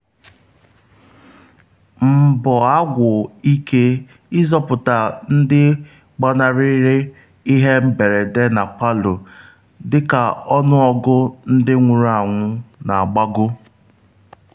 Mbọ agwụ ike ịzọpụta ndị gbanarịrị ihe mberede na Palu dịka ọnụọgụ ndị nwụrụ anwụ na-agbago